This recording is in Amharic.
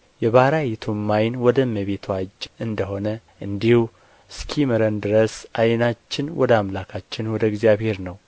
የባሪያይቱም ዓይን ወደ እመቤትዋ እጅ እንደ ሆነ እንዲሁ እስኪምረን ድረስ ዓይናችን ወደ አምላካችን ወደ እግዚአብሔር ነው